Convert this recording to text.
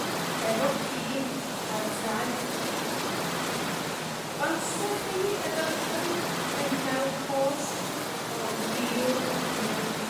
efo ci ar y traeth, basech chi efallai yn cael cosb o fil o bunnoedd.